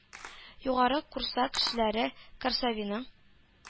Югары Курса кешеләре Курсавиның